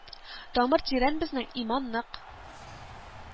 Тамыр тирән безнең, иман нык